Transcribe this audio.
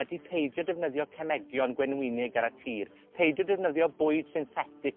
ydi peidio defnyddio cemegion gwenwynig ar y tir, peidio defnyddio bwyd synthetic